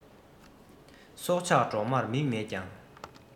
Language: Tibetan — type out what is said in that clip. སྲོག ཆགས གྲོག མ མིག མེད ཀྱང